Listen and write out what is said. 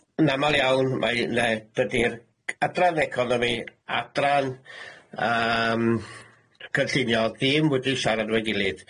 Yn amal iawn mae ne- dydi'r c- Adran Economi, Adran yym Cynllunio ddim wedi siarad efo'i gilydd.